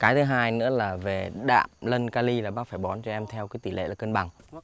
cái thứ hai nữa là về đạm lân ka li là bác phải bón cho em theo cái tỷ lệ cân bằng